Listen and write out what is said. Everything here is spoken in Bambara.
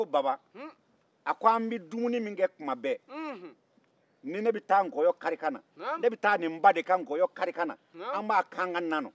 ko baba a k'an bɛ dumuni kɛ tuma bɛɛ ni ne bɛ taa nkɔyɔ kari ka na ne bɛ taa nin de ba nkɔyɔ kari ka na an b'a kɛ an ka nana